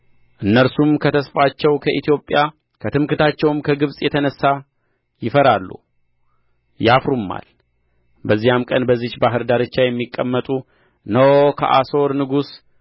እነርሱም ከተስፋቸው ከኢትዮጵያ ከትምክሕታቸውም ከግብጽ የተነሣ ይፈራሉ ያፍሩማል በዚያም ቀን በዚች ባሕር ዳርቻ የሚቀመጡ እነሆ ከአሦር ንጉሥ